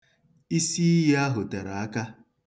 Isiiyi ahụ tere aka.